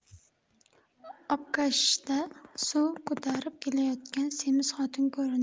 obkashda suv ko'tarib kelayotgan semiz xotin ko'rindi